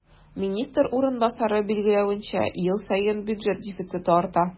Министр урынбасары билгеләвенчә, ел саен бюджет дефициты арта.